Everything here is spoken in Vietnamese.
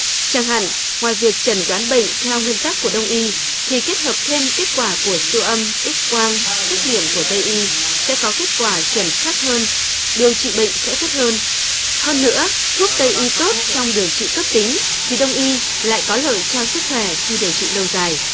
chẳng hạn ngoài việc chẩn đoán bệnh theo nguyên tắc của đông y thì kết hợp thêm kết quả của siêu âm ích quang xét nghiệm của tây y sẽ có kết quả chuẩn xác hơn điều trị bệnh sẽ tốt hơn hơn nữa thuốc tây y tốt trong điều trị cấp tính thì đông y lại có lợi cho sức khỏe khi điều trị lâu dài